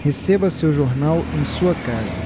receba seu jornal em sua casa